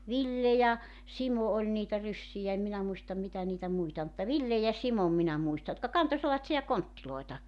Ville ja Simo oli niitä ryssiä en minä muista mitä niitä muita oli mutta Villen ja Simon minä muistan jotka kantoi sellaisia kontteja